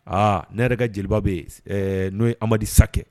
Aa ne yɛrɛ kɛ jeliba bɛ n'o ye Amadu Sakɛ